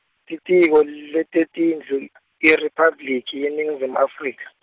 Litiko leTetindlu , IRiphabliki yeNingizimu Afrika.